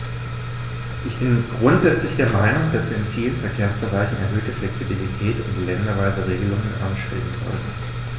Ich bin grundsätzlich der Meinung, dass wir in vielen Verkehrsbereichen erhöhte Flexibilität und länderweise Regelungen anstreben sollten.